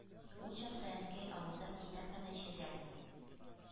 Ул чакта Әнкәй авылда китапханәче дә,